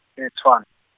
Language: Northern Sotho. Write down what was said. Tshwan-.